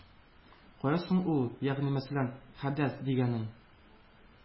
Кая соң ул, ягъни мәсәлән, хәдәс дигәнең?